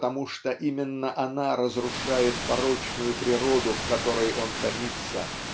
потому что именно она разрушит порочную природу в которой он томится